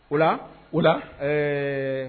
Wula la wula la ɛɛ